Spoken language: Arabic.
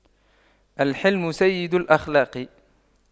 الحِلْمُ سيد الأخلاق